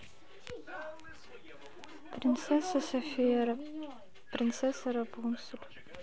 принцесса софия принцесса рапунцель